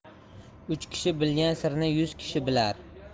uch kishi bilgan sirni yuz kishi bilar